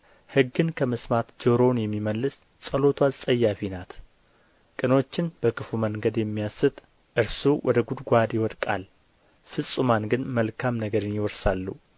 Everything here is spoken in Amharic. ሕግን ከመስማት ጆሮውን የሚመልስ ጸሎቱ አስጸያፊ ናት ቅኖችን በክፉ መንገድ የሚያስት እርሱ ወደ ጕድጓዱ ይወድቃል ፍጹማን ግን መልካም ነገርን ይወርሳሉ